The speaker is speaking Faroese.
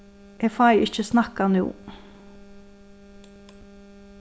eg fái ikki snakkað nú